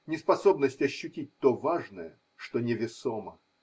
неспособность ощутить то важное, что невесомо.